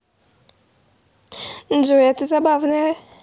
джой а ты забавная